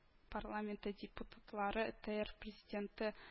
Республика парламенты депутатлары, тээр президенты